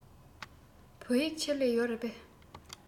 བོད ཡིག ཆེད ལས ཡོད རེད པས